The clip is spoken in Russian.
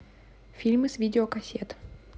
фильмы с видеокассет